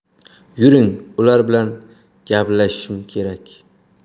yuring ular bilan gaplashishim kerak